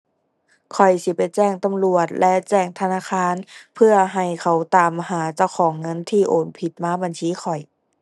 ข้อยสิไปแจ้งตำรวจและแจ้งธนาคาร เพื่อให้เขาตามหาเจ้าของเงินที่โอนผิดมาบัญชีข้อย